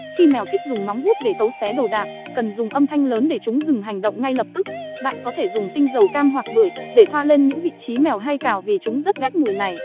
khi mèo thích dùng móng vuốt để cấu xé đồ đạc cần dùng âm thanh lớn để chúng dừng hành động ngay lập tức bạn có thể dùng tinh dầu cam hoặc bưởi để thoa lên những vị trí mèo hay cào vì chúng rất ghét mùi này